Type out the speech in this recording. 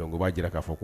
Donc o b'a jira k'a fɔ ko